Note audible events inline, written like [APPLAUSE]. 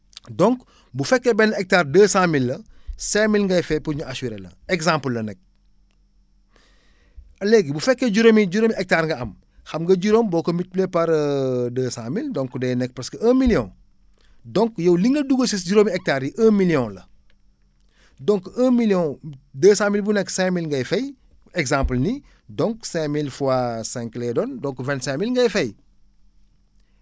[SMACKS LIPS] donc bu fekkee benn hectare deux cent mille la cinq mille ngay fay pour ñu assurer la exemple la nag [BREATH] léegi bu fekkee juróomi juróomi hectares nga am xam nga juróom boo ko multiplier par [HESITATION] deux cent mille donc day nekk presque un million [BREATH] donc yow li nga dugal si juróomi hactares yi un million la [BREATH] donc un million deux cent mille bu nekk cinq mille ngay fay exemple ni donc cinq mille fois cinq lay doon donc vingt cinq mille ngay fay